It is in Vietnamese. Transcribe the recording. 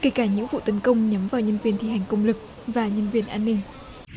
ngay cả những vụ tấn công nhắm vào nhân viên thi hành công lực và nhân viên an ninh